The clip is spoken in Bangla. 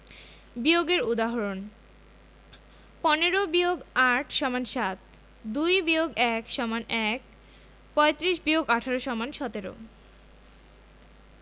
বিয়োগের উদাহরণঃ ১৫ – ৮ = ৭ ২ - ১ =১ ৩৫ – ১৮ = ১৭